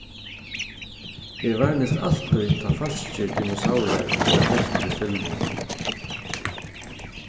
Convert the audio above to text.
eg varnist altíð tá falskir dinosaurar verða brúktir í filmum